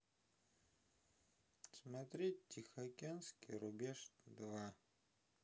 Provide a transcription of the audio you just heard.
смотреть тихоокеанский рубеж два